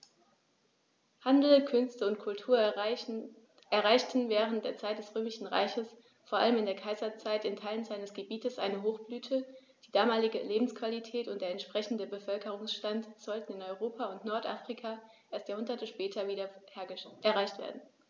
Handel, Künste und Kultur erreichten während der Zeit des Römischen Reiches, vor allem in der Kaiserzeit, in Teilen seines Gebietes eine Hochblüte, die damalige Lebensqualität und der entsprechende Bevölkerungsstand sollten in Europa und Nordafrika erst Jahrhunderte später wieder erreicht werden.